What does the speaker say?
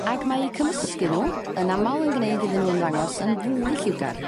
Ag mae 'u cymysgu n'w yn amal yn gneud iddyn nw ymddangos yn fwy lliwgar